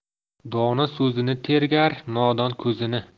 dono so'zini tergar nodon ko'zini